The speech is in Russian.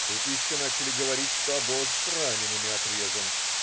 Тут еще начали говорить, что обоз с ранеными отрезан.